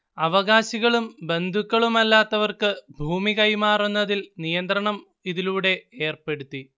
അവകാശികളും ബന്ധുക്കളുമല്ലാത്തവർക്ക് ഭൂമി കൈമാറുന്നതിൽ നിയന്ത്രണം ഇതിലൂടെ ഏർപ്പെടുത്തി